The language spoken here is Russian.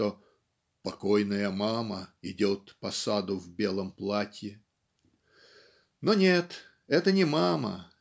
что "покойная мама идет по саду в белом платье" но нет это не мама